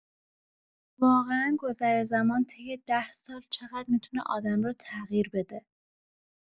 واقعا گذر زمان طی ده سال چقدر می‌تونه آدم رو تغییر بده!